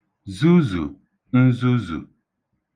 zuzù nzuzù